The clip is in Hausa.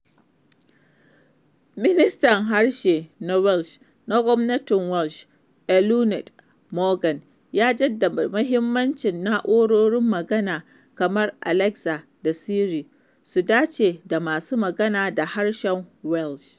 Ministan harshe na Welsh na gwamnatin Welsh, Eluned Morgan, ya jaddada muhimmancin na'urorin magana kamar Alexa da Siri su dace da masu magana da harshen Welsh.